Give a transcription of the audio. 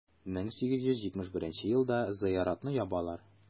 1871 елда зыяратны ябалар.